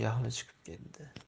jahli chiqib ketdi